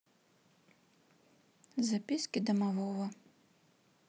записки домового